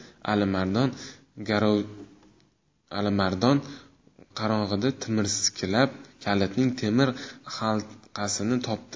alimardon qorong'ida timirskilab kalitning temir halqasini topdi